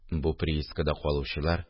Бу приискада калучылар